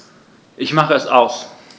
Ich mache es aus.